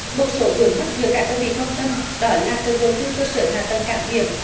một số vướng mắc giữa các đơn vị quan tâm đó là cần đầu tư cơ sở hạ tầng cảng biển